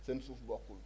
seen suuf bokkul